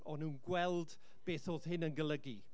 O'n nhw'n gweld beth oedd hyn yn golygu.